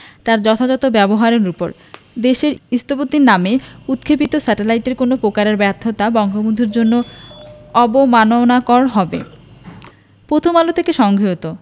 তার যথাযথ ব্যবহারের ওপর দেশের স্থপতির নামে উৎক্ষেপিত স্যাটেলাইটের কোনো প্রকারের ব্যর্থতা বঙ্গবন্ধুর জন্য অবমাননাকর হবে প্রথম আলো হতে সংগৃহীত